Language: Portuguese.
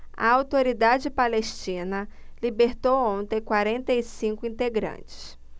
a autoridade palestina libertou ontem quarenta e cinco integrantes